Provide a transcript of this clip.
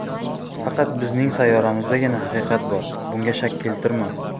faqat bizning sayyoramizdagina haqiqat bor bunga shak keltirma